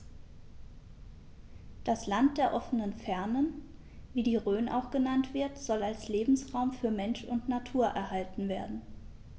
Das „Land der offenen Fernen“, wie die Rhön auch genannt wird, soll als Lebensraum für Mensch und Natur erhalten werden.